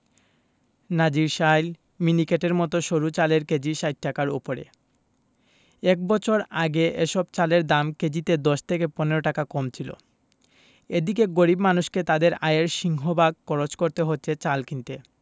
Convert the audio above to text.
নাজিরশাইল মিনিকেটের মতো সরু চালের কেজি ৬০ টাকার ওপরে এক বছর আগে এসব চালের দাম কেজিতে ১০ থেকে ১৫ টাকা কম ছিল এদিকে গরিব মানুষকে তাঁদের আয়ের সিংহভাগ খরচ করতে হচ্ছে চাল কিনতে